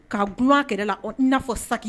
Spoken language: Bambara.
Ka kuma kɛlɛ la n'afɔ sa